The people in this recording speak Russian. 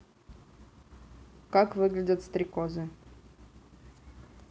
как выглядят стрекозы